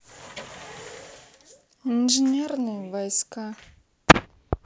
инженерные войска